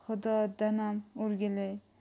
xudodanam o'rgilay